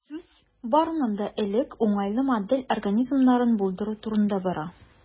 Сүз, барыннан да элек, уңайлы модель организмнарын булдыру турында бара.